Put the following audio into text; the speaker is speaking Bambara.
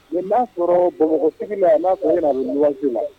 Nin b'a sɔrɔ Bamakɔ sigi la yan, n'a sɔrɔ i bɛ n'a don lluwanze la